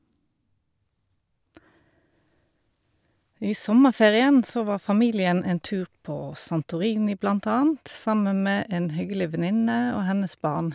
I sommerferien så var familien en tur på Santorini, blant annet, sammen med en hyggelig venninne og hennes barn.